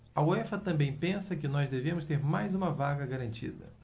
a uefa também pensa que nós devemos ter mais uma vaga garantida